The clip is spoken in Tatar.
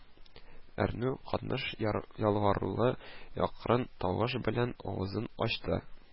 Әрнү катыш ялварулы акрын тавыш белән авызын ачты: